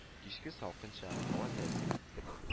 Кичке салкынча һава тәэсир иттеме